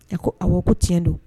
Ee ko awɔ ko tiɲɛ don